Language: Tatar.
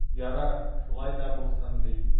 Ярар, шулай да булсын ди.